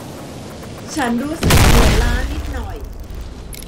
ฉันรู้สึกเหนื่อยล้านิดหน่อย